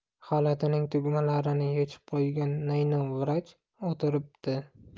xalatining tugmalarini yechib qo'ygan naynov vrach o'tiribdi